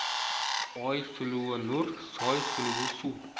oy suluvi nur soy suluvi suv